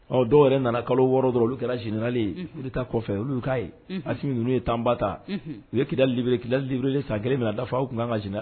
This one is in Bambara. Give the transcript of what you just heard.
Ɔ dɔw yɛrɛ nana kalo wɔɔrɔ dɔ olu kɛra jinaka kɔfɛ olu kaa ye ali ninnu'u ye tanba ta u ye kilib kilib san kelen minɛ na dafa aw u tun kan kaina